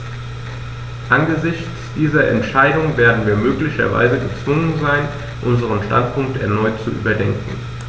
Angesichts dieser Entscheidung werden wir möglicherweise gezwungen sein, unseren Standpunkt erneut zu überdenken.